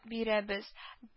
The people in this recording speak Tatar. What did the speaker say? Бирәбез